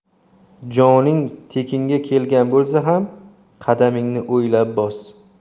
joning tekinga kelgan bo'lsa ham qadamingni o'ylab bos